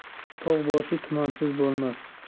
tog' boshi tumansiz bo'lmas